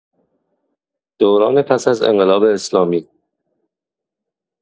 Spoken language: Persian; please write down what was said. دوران پس از انقلاب اسلامی